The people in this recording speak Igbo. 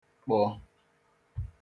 kpọ̄